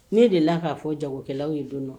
Ne delila k'a fɔ jagokɛlaw ye dondɔ